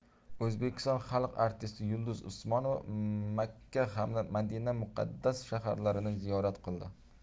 o'zbekiston xalq artisti yulduz usmonova makka hamda madina muqaddas shaharlarini ziyorat qildi